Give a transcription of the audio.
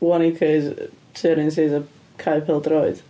One acre is tua yr un size a cae pel droed.